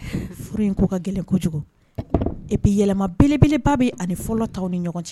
Furu in ko ka gɛlɛn kojugu, et puis yɛlɛma belebeleba bɛ a ni fɔlɔ ta ni ɲɔgɔn cɛ